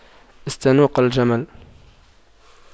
استنوق الجمل